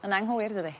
yn anghywir dydi?